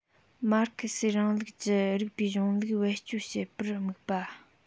མར ཁེ སིའི རིང ལུགས ཀྱི རིགས པའི གཞུང ལུགས བེད སྤྱོད པར དམིགས པ